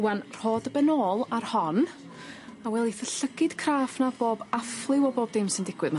Ŵan rho dy ben ôl ar hon a weli'th y llygyd craff na bob affliw o bob dim sy'n digwydd ma'.